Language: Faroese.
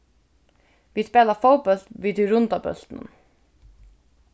vit spæla fótbólt við tí runda bóltinum